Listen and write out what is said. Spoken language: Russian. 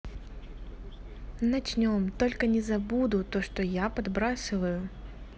начнем только не забуду то что я подбрасываю